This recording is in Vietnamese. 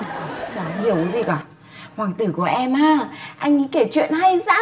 chả hiểu cái gì cả hoàng tử của em á anh ấy kể chuyện hay dã